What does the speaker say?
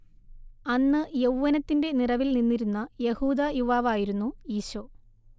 അന്ന് യൗവ്വനത്തിന്റെ നിറവിൽ നിന്നിരുന്ന യഹൂദ യുവാവായിരുന്നു ഈശോ